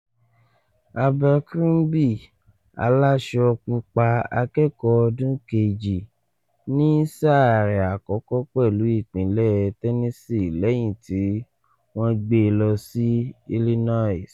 Abercrombie, aláṣọpúpa akẹ́kọ̀ ọlọ́dún kejì ní sáa rẹ àkọ́kọ́ pẹ̀lú Ìpínlẹ̀ Tennessee lẹ́yìn tí wọ́n gbé e lọ sí Illinois.